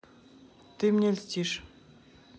ты мне льстишь